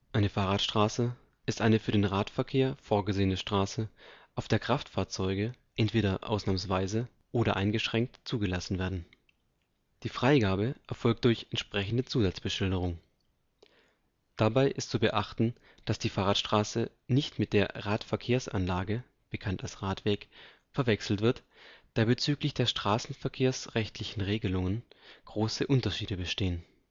Eine Fahrradstraße ist eine für den Radverkehr vorgesehene Straße, auf der Kraftfahrzeuge entweder ausnahmsweise oder eingeschränkt zugelassen werden. Die Freigabe erfolgt durch entsprechende Zusatzbeschilderung. Dabei ist zu beachten, dass die Fahrradstraße nicht mit der Radverkehrsanlage (Radweg) verwechselt wird, da bezüglich der straßenverkehrsrechtlichen Regelung große Unterschiede bestehen